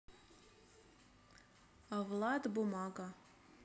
влад бумага